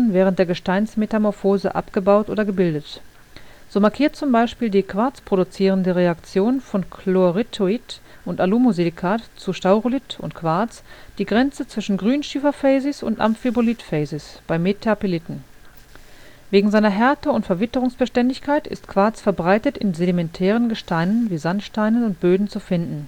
während der Gesteinsmetamorphose abgebaut oder gebildet. So markiert zum Beispiel die quarzproduzierende Reaktion von Chloritoid und Alumosilikat zu Staurolith und Quarz die Grenze zwischen Grünschieferfazies und Amphibolithfazies bei Metapeliten. Wegen seiner Härte und Verwitterungsbeständigkeit ist Quarz verbreitet in sedimentären Gesteinen wie Sandsteinen und Böden zu finden